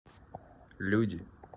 люди